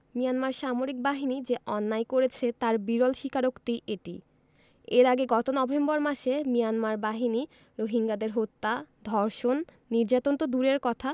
Myanmar সামরিক বাহিনী যে অন্যায় করেছে তার বিরল স্বীকারোক্তি এটি এর আগে গত নভেম্বর মাসে মিয়ানমার বাহিনী রোহিঙ্গাদের হত্যা ধর্ষণ নির্যাতন তো দূরের কথা